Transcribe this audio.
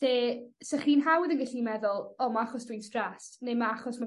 lle 'sych chi'n hawdd yn gallu meddwl o ma' achos dwi'n stressed ne' ma' achos ma'